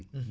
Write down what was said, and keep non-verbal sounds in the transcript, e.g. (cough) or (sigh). (hesitation) (hesitation)